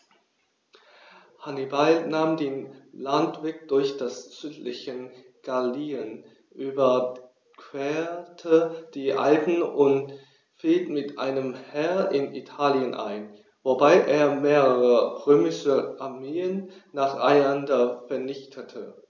Hannibal nahm den Landweg durch das südliche Gallien, überquerte die Alpen und fiel mit einem Heer in Italien ein, wobei er mehrere römische Armeen nacheinander vernichtete.